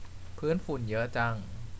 พื้นฝุ่นเยอะจัง